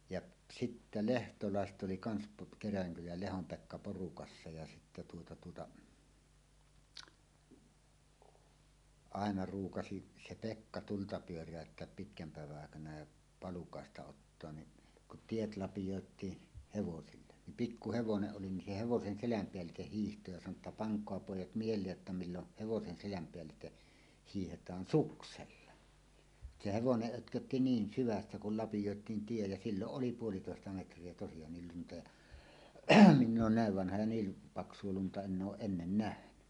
ja sitten lehtolaiset oli kanssa - Kerälänkylän ja Lehdon Pekka porukassa ja sitten tuota tuota aina ruukasi se Pekka tulta pyöräyttää pitkän päivän aikana ja palukaista ottaa niin kun tiet lapioitiin hevosille niin pikku hevonen oli niin se hevosen selän päällitse hiihti ja sanoi jotta pankaa pojat mieleen jotta milloin hevosen selän päällitse hiihdetään suksella se hevonen pötkötti niin syvässä kun lapioitiin tie ja silloin oli puolitoista metriä tosiaan lunta ja minä olen näin vanha ja niin paksua lunta en ole ennen nähnyt